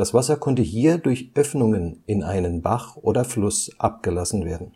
Wasser konnte hier durch Öffnungen in einen Bach oder Fluss abgelassen werden